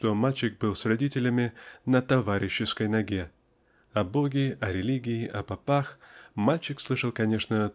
что мальчик был с родителями "на товарищеской ноге". О Боге о религии о попах мальчик слышал конечно